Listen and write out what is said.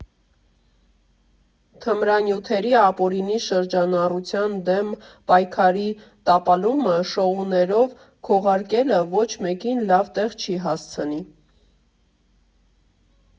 Թմրանյութերի ապօրինի շրջանառության դեմ պայքարի տապալումը շոուներով քողարկելը ոչ մեկին լավ տեղ չի հասցնի։